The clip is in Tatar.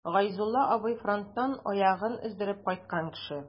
Гайзулла абый— фронттан аягын өздереп кайткан кеше.